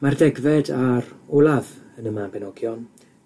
Mae'r degfed a'r olaf yn y Mabinogion